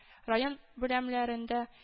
Район биләмәләрендә